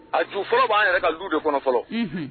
A ju fɔlɔ b'a yɛrɛ ka du de kɔnɔ fɔlɔ